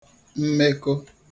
mmeko